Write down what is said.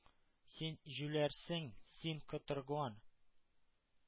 — син җүләрсең, син котырган,